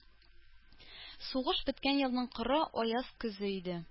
Сугыш беткән елның коры, аяз көзе иде.